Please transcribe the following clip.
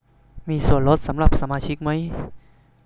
มีส่วนลดสำหรับสมาชิกมั้ย